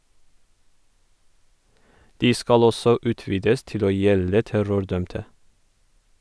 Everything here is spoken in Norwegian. De skal også utvides til å gjelde terrordømte.